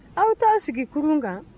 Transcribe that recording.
aw t'aw sigi kurun kan